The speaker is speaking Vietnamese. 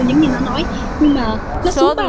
giống như nó nhưng mà nói xuống bao